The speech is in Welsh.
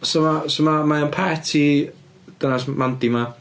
So mae so mae o'n pet i dynas Mandy 'ma.